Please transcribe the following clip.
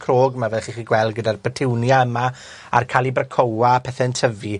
crog 'ma fel chi 'chy gweld, gyda'r bytuwnia yma, a'r calibrachoa a pethe'n tyfu